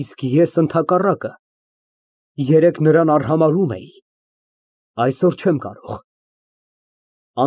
Իսկ ես, ընդհակառակը, երեկ նրան արհամարհում էի, այսօր չեմ կարող։